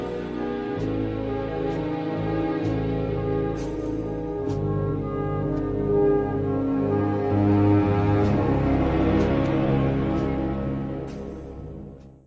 music